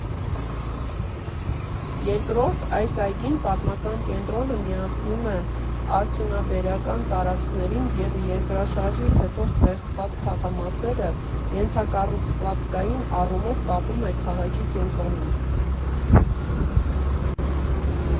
Երկրորդ՝ այս այգին պատմական կենտրոնը միացնում է արդյունաբերական տարածքներին և երկրաշարժից հետո ստեղծված թաղամասերը ենթակառուցվածքային առումով կապում քաղաքի կենտրոնին։